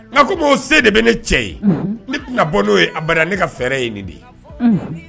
Nka kɔmi se de bɛ ne cɛ ye ne tɛna bɔ n'o ye a ne ka fɛɛrɛ ye nin de ye